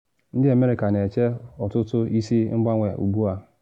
Ndị America na eche ọtụtụ isi mgbanwe ugbu a.